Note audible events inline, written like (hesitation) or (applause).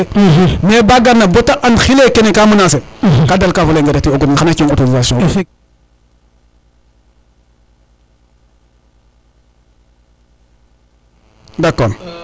(hesitation) (hesitation) mais ba garna bata an xile kene ka menancer ka dalfa leyonge reti o goden xana ci yong autorisation (unintelligible)